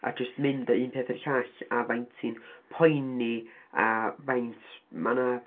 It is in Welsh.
A jyst mynd o un peth i'r llall a faint ti'n poeni a faint mae 'na...